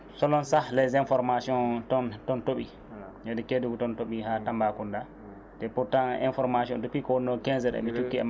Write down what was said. selon sakh les informations toon tooɓi hedde Kedougou toon tooɓi ha Tambacounda e pourtant information depuis ko wonno 15h eɓe cukke e